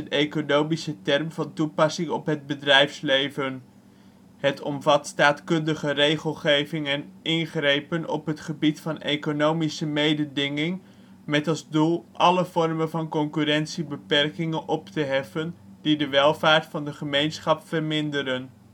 economische term van toepassing op het bedrijfsleven. Het omvat staatkundige regelgeving en ingrepen op het gebied van economische mededinging, met als doel, alle vormen van concurrentiebeperkingen op te heffen, die de welvaart van de gemeenschap verminderen